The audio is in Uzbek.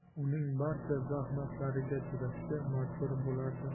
uning barcha zahmatlariga chidashga majbur bo'lardi